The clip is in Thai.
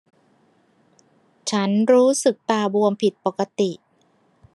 ฉันรู้สึกตาบวมผิดปกติ